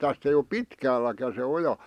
tästä ei ole pitkälläkään se oja